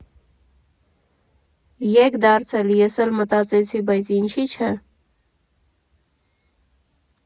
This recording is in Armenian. ) եք դարձել, ես էլ մտածեցի՝ բայց ինչի՞ չէ։